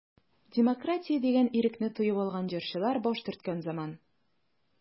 Демократия дигән ирекне тоеп алган җырчылар баш төрткән заман.